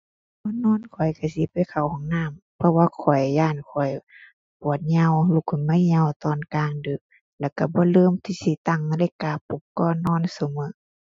ก่อนนอนข้อยก็สิไปเข้าห้องน้ำ เพราะว่าข้อยย้านข้อยปวดเยี่ยว ลุกขึ้นมาเยี่ยวตอนกลางดึก แล้วก็บ่ลืมที่สิตั้งนาฬิกาปลุกก่อนนอนซุมื้อ